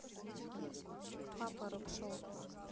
папа робшол